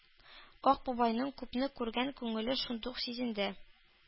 Ак бабайның күпне күргән күңеле шундук сизенде.